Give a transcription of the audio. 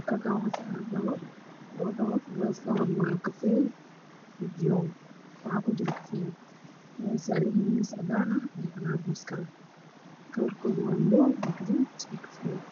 Halkaan waxaa taalo labo dhalo waa kafay iyo fiyool waxaa kujiro kafay waxay saaran yihiin miis cadaan ah, kalarkoodu waa madow, gaduud iyo kafay.